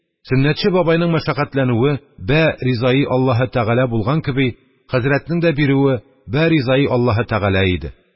Сөннәтче бабайның мәшәкатьләнүе «бә ризаи Аллаһе Тәгалә» булган кеби, хәзрәтнең дә бирүе «бә ризаи Аллаһе Тәгалә» иде.